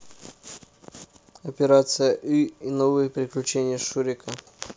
операция ы и новые приключения шурика